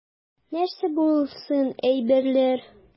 Нәрсә булсын, әйберләр.